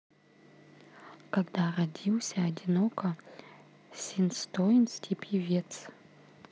когда родился одиноко синтоиский певец